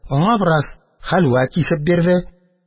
Аңа бераз хәлвә кисеп бирде.